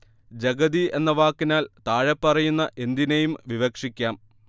ജഗതി എന്ന വാക്കിനാൽ താഴെപ്പറയുന്ന എന്തിനേയും വിവക്ഷിക്കാം